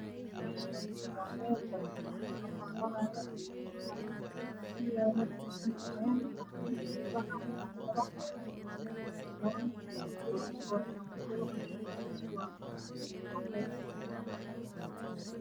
Meeshaan waa meel barxad ah waxaa maraayo niman waxaa kuyaala dabaq cadeys ah.